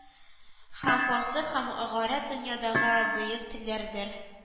Һәм фарсы һәм гарәп дөньядагы бөек телләрдер